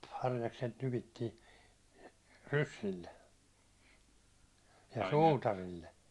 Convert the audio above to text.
harjakset nypittiin ryssille ja suutarille